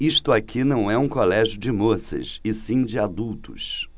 isto aqui não é um colégio de moças e sim de adultos